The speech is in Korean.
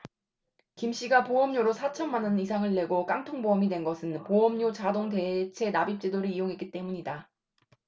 김씨가 보험료로 사천 만원 이상을 내고도 깡통보험이 된 것은 보험료 자동 대체납입제도를 이용했기 때문이다